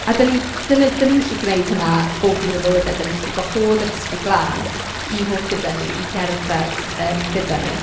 A dan ni'n... dyna.... dan ni'n gallu gwneud hynna bob dydd o'n bywydau, dan ni'n gallu gwahodd yr Ysbryd Glân i fod gyda ni i gerdded yym gyda ni.